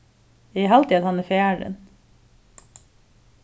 eg haldi at hann er farin